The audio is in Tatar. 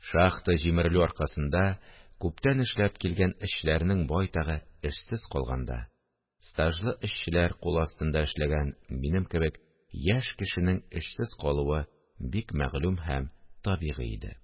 Шахта җимерелү аркасында күптән эшләп килгән эшчеләрнең байтагы эшсез калганда, стажлы эшчеләр кул астында эшләгән минем кебек яшь кешенең эшсез калуы бик мәгълүм һәм табигый иде